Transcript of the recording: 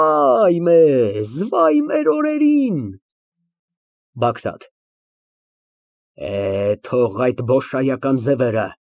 Վայ մեզ, վայ մեր օրին։ ԲԱԳՐԱՏ ֊ Է, թող այդ բոշայական ձևերը։